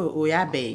o e o y'a bɛɛ ye